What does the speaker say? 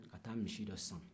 ka taa misi dɔ san